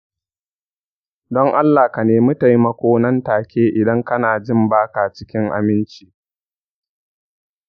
don allah ka nemi taimako nan take idan kana jin ba ka cikin aminci.